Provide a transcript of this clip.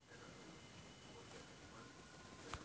как выглядят пистолеты